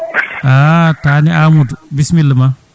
an taane Amadou bisimilla ma